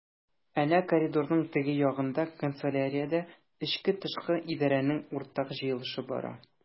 Әнә коридорның теге ягында— канцеляриядә эчке-тышкы идарәнең уртак җыелышы бара.